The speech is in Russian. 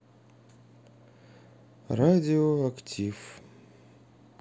радио актив